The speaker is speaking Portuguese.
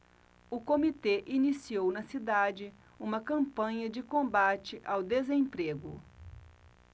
o comitê iniciou na cidade uma campanha de combate ao desemprego